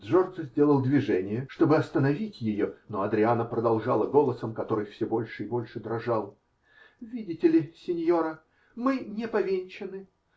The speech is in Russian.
Джорджо сделал движение, чтобы остановить ее, но Адриана продолжала голосом, который все больше и больше дрожал: -- Видите ли, синьора, мы не повенчаны.